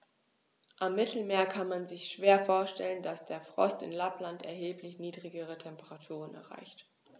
Am Mittelmeer kann man sich schwer vorstellen, dass der Frost in Lappland erheblich niedrigere Temperaturen erreicht.